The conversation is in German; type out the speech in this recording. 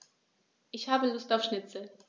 Ich habe Lust auf Schnitzel.